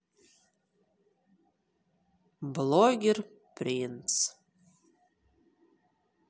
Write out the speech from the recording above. блогер принц